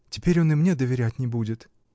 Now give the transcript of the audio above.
Теперь он и мне доверять не будет.